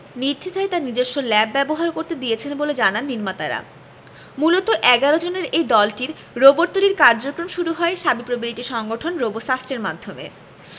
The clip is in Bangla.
নির্দ্বিধায় তার নিজস্ব ল্যাব ব্যবহার করতে দিয়েছেন বলে জানান নির্মাতারামূলত ১১ জনের এই দলটির রোবট তৈরির কার্যক্রম শুরু হয় শাবিপ্রবির একটি সংগঠন রোবোসাস্টের মাধ্যমে